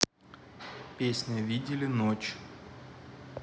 песня видели ночь